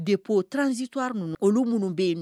Bɛpo tranzt ninnu olu minnu bɛ yen